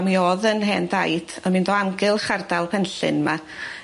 a mi o'dd 'yn hen daid yn mynd o amgylch ardal Penllyn 'ma